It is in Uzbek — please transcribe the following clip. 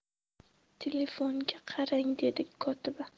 telefonga qarang dedi kotiba